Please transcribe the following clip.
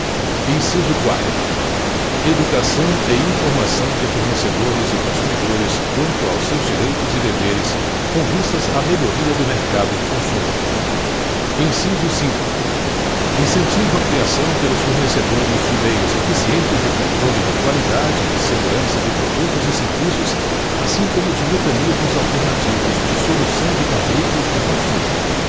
inciso quatro educação e informação de fornecedores e consumidores quanto aos seus direitos e deveres com vistas à melhoria do mercado de consumo inciso cinco incentivo à criação pelos fornecedores de meios eficientes de controle de qualidade e segurança de produtos e serviços assim como de mecanismos alternativos de solução de conflitos de consumo